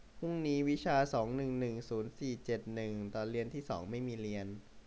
พรุ่งนี้วิชาสองหนึ่งหนึ่งศูนย์สี่เจ็ดหนึ่งตอนเรียนที่สองไม่มีเรียน